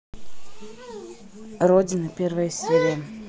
родина первая серия